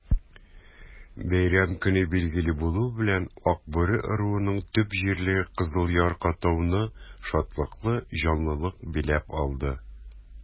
Бәйрәм көне билгеле булу белән, Акбүре ыруының төп җирлеге Кызыл Яр-катауны шатлыклы җанлылык биләп алды.